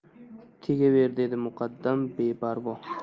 tegaver dedi muqaddam beparvo